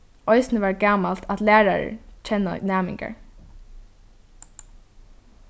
eisini var gamalt at lærarar kenna næmingar